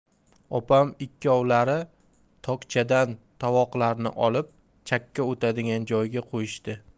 opam ikkovlari tokchadan tovoqlarni olib chakka o'tadigan joyga qo'yishdi